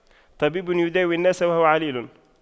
طبيب يداوي الناس وهو عليل